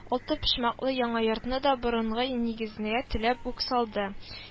Алты почмаклы яңа йортны да борынгы нигезенә төләп үк салды